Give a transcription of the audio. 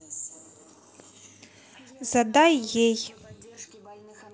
задай ей